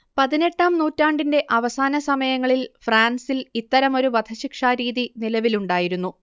പതിനെട്ടാം നൂറ്റാണ്ടിന്റെ അവസാനസമയങ്ങളിൽ ഫ്രാൻസിൽ ഇത്തരമൊരു വധശിക്ഷാരീതി നിലവിലുണ്ടായിരുന്നു